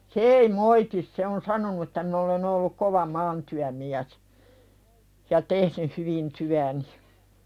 se ei moiti se on sanonut että minä olen ollut kova maatyömies ja tehnyt hyvin työni